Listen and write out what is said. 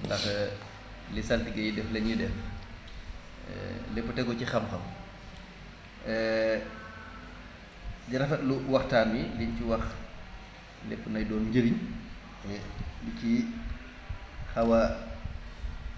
ndax li saltige yiy def la ñuy def lépp tegu ci xam-xam di rafetlu waxtaan wi liñ ci wax lépp nay doon njariñ et li ciy xaw a